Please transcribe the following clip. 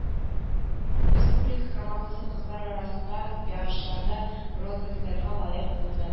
Республика командасы кызлар арасында ярышларда бронза медальгә лаек булды.